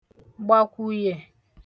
gbàkwùyè